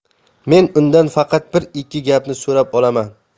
men undan faqat bir ikki gapni so'rab olaman